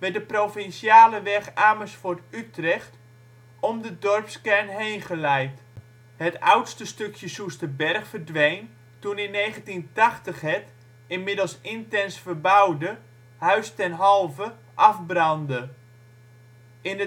de provinciale weg Amersfoort-Utrecht om de dorpskern heen geleid. Het oudste stukje Soesterberg verdween toen in 1980 het, inmiddels intens verbouwde, Huis ten Halve afbrandde. In